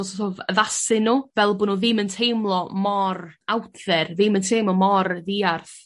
o so't of addasu nw fel bo' nw ddim yn teimlo mor out there ddim yn teimlo mor ddiarth.